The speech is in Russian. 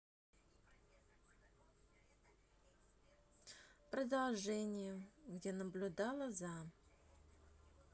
продолжение где наблюдала за